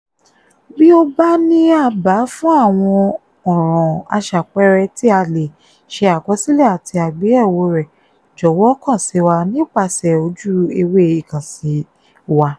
Bí o bá ní àbá fún àwọn ọ̀ràn aṣàpẹẹrẹ tí a lè ṣe àkọsílẹ̀ àti àgbéyẹ̀wò rẹ̀ jọ̀wọ́ kàn sí wa nípasẹ̀ ojú-ewé ìkànsí wa.